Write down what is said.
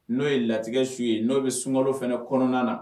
N'o ye latigɛ su ye n'o bɛ sunkalo fana kɔnɔna na